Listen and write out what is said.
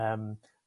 Yym.